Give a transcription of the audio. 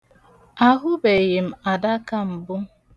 Ahụbeghị m adaka mbu.